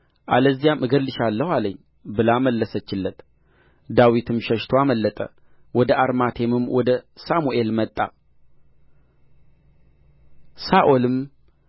አለዚያም እገድልሻለሁ አለኝ ብላ መለሰችለት ዳዊትም ሸሽቶ አመለጠ ወደ አርማቴምም ወደ ሳሙኤል መጣ ሳኦልም